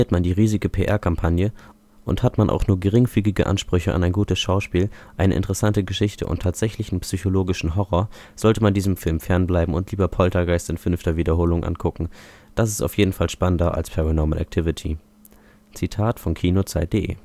man die riesige PR-Kampagne und hat man auch nur geringfügige Ansprüche an gutes Schauspiel, eine interessante Geschichte und tatsächlichen psychologischen Horror, sollte man diesem Film fern bleiben und lieber Poltergeist in fünfter Wiederholung angucken. Das ist auf jeden Fall spannender als Paranormal Activity. “– Kino-Zeit.de